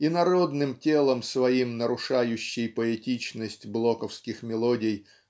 инородным телом своим нарушающей поэтичность блоковских мелодий